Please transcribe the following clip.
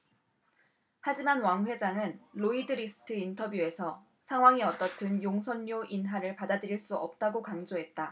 하지만 왕 회장은 로이드리스트 인터뷰에서 상황이 어떻든 용선료 인하를 받아들일 수 없다고 강조했다